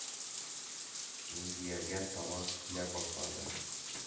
Миндиярга табан килә башлады.